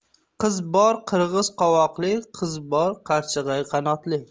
qiz bor qirg'iz qovoqli qiz bor qarchig'ay qanotli